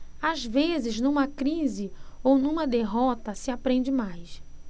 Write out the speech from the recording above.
às vezes numa crise ou numa derrota se aprende mais